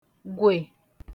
gwè